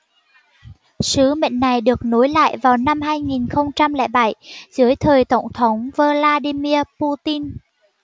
sứ mệnh này được nối lại vào năm hai nghìn không trăm lẻ bảy dưới thời tổng thống vladimir putin